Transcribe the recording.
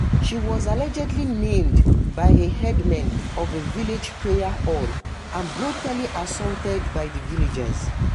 She was allegedly named by a headman of a village prayer hall and brutally assaulted by the villagers.